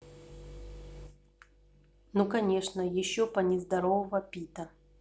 ну конечно еще по нездорового пита